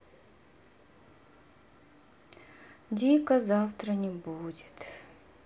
дико завтра не будет